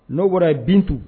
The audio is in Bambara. N'o bɔra ye bintu